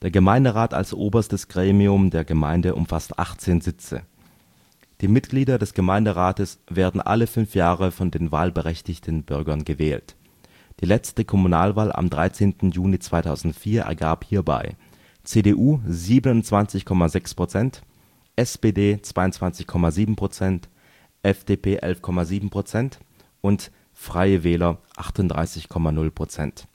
Gemeinderat als oberstes Gremium der Gemeinde umfasst 18 Sitze. Die Mitglieder des Gemeinderates werden alle fünf Jahre von den wahlberechtigten Bürgern gewählt. Die letzte Kommunalwahl am 13. Juni 2004 ergab hierbei: CDU 27,6%, SPD 22,7%, FDP 11,7% und FWV 38,0%